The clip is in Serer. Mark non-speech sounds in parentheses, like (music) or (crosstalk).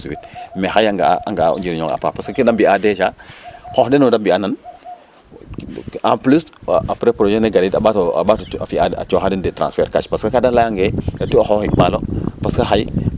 mais xaye a nga'aa o ndjirñ onge a paax parce que kee da mbi'aa déja xoox den no da mbiyanan (hesitation) en plus aprés projet ne a gariid a sog a ɓato fi'a a cooxa den des transfert cash parce ce ka da layang ee reti o xooxik maalo parce ce xay